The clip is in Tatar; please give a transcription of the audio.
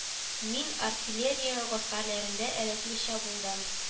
Мин артиллерия гаскәрләрендә эләтмәче булам